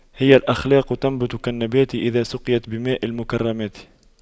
هي الأخلاق تنبت كالنبات إذا سقيت بماء المكرمات